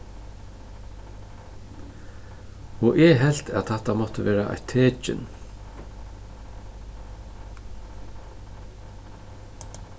og eg helt at hatta mátti vera eitt tekin